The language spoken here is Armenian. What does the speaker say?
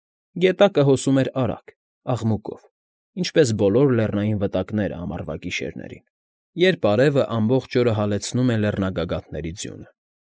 Գետակը հոսում էր արագ, աղմուկով, ինչպես բոլոր լեռնային վտակները ամառվա գիշերներին, երբ արևն ամբողջ օրը հալեցնում է լեռնագագաթների ձյունը։